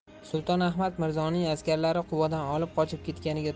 sulton ahmad mirzoning askarlari quvadan olib qochib ketganiga